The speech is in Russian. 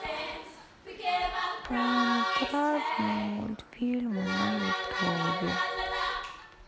полнометражные мультфильмы на ютубе